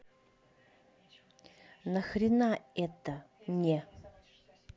на хрена это не